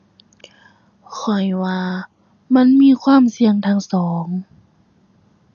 ข้อยว่ามันมีความเสี่ยงทั้งสอง